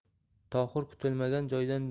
tohir kutilmagan joydan